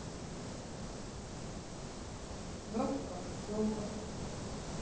группа йова